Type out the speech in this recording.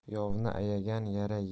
yovni ayagan yara